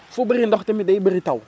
fu bëri ndox tamit day bëri taw